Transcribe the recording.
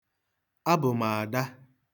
Abụ m ada.